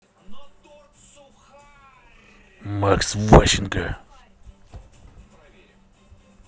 макс ващенко